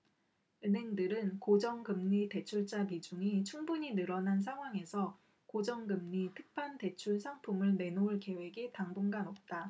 은행들은 고정금리대출자 비중이 충분히 늘어난 상황에서 고정금리 특판 대출상품을 내놓을 계획이 당분간 없다